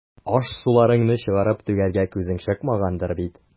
Аш-суларыңны чыгарып түгәргә күзең чыкмагандыр бит.